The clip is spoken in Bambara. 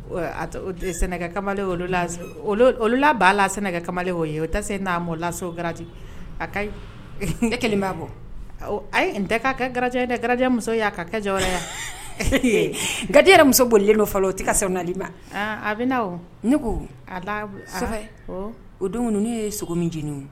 Sɛnɛ kamalen olu la b'a la sɛnɛ kamalen o ye o tɛ se'a malo lasɔ gari a ka kelen'a bɔ a n tɛ'a ka garijɛ garijɛmuso ye a ka kɛ ja yan garijɛ yɛrɛ muso bolilen dɔ o tɛ ka sɛbɛnli ma a bɛ ne ko o don ne ye sogo min jinin